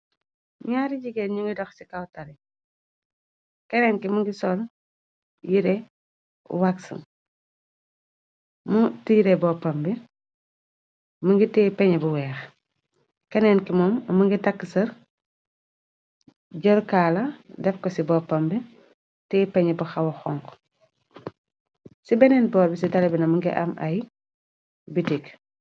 Naari jigeen nongi dox ci kaw taali keneen ki mongi sol yiere wax mu tiire boppam bi mongi tee peñnex bu weex keneen ki moom mongi takka sër jël kaala def ko ci boppam bi tee peñex bu xawa xonxu ci beneen boor bi ci taali nak mongi am ay bitik.